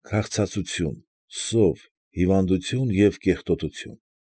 Քաղցածություն, սով, հիվանդություն և կեղտոտություն։